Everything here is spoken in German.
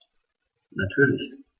Natürlich.